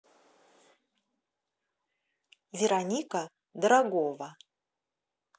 вероника дорогова